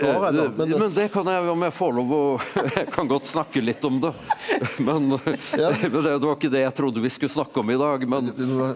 jammen det kan jeg da må jeg få lov å jeg kan godt snakke litt om det men det var ikke det jeg trodde vi skulle snakke om i dag men.